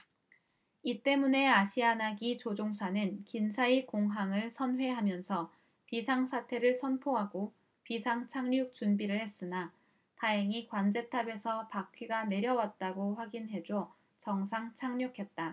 이 때문에 아시아나기 조종사는 간사이공항을 선회하면서 비상사태를 선포하고 비상착륙 준비를 했으나 다행히 관제탑에서 바퀴가 내려왔다고 확인해 줘 정상 착륙했다